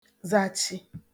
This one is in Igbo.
zachi